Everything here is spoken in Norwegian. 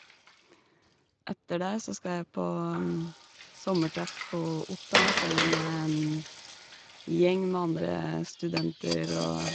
Etter det så skal jeg på sommertreff på Otta sammen med en gjeng med andre studenter og...